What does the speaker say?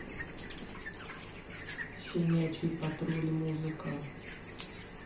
щенячий патруль музыка